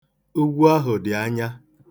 Ugwu ahụ dị anya.